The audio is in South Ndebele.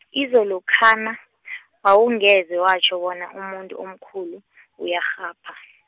izolokha na , wawungeze watjho bona umuntu omkhulu, uyarhapha.